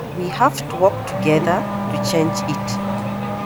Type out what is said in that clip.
We have to work together to change it!